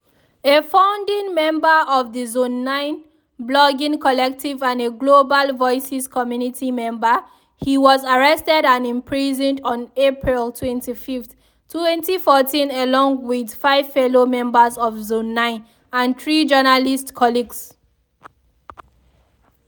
A founding member of the Zone9 blogging collective and a Global Voices community member, he was arrested and imprisoned on April 25, 2014 along with five fellow members of Zone9 and three journalist colleagues.